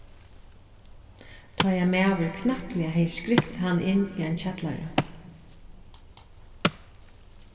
tá ein maður knappliga hevði skrykt hann inn í ein kjallara